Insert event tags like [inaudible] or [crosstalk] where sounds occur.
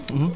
[hesitation] [hesitation]